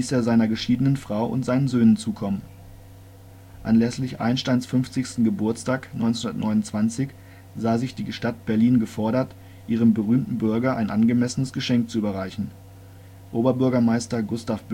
er seiner geschiedenen Frau und seinen Söhnen zukommen. Anlässlich Einsteins 50. Geburtstag 1929 sah sich die Stadt Berlin gefordert, ihrem berühmten Bürger ein angemessenes Geschenk zu überreichen. Oberbürgermeister Gustav